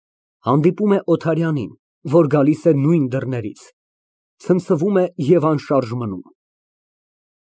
Հանդիպում է Օթարյանին, որ գալիս է նույն դռներից, ցնցվում է և անշարժ մնում)։